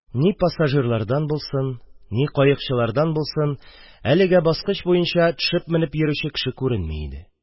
Ни пассажирлардан булсын, ни каекчылардан булсын, әлегә баскыч буенча төшеп-менеп йөрүче кеше күренми иде